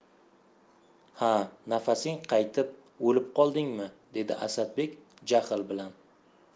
ha nafasing qaytib o'lib qoldingmi dedi asadbek jahl bilan